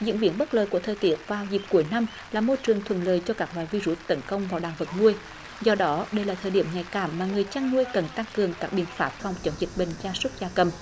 diễn biến bất lợi của thời tiết vào dịp cuối năm là môi trường thuận lợi cho các loài vi rút tấn công vào đàn vật nuôi do đó đây là thời điểm nhạy cảm mà người chăn nuôi cần tăng cường các biện pháp phòng chống dịch bệnh gia súc gia cầm